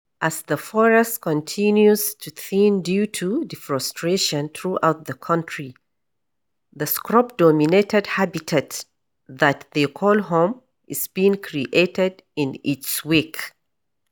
As the forest continues to thin due to deforestation throughout the country, the scrub-dominated habitat that they call home is being created in its wake.